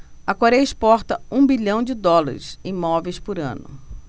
a coréia exporta um bilhão de dólares em móveis por ano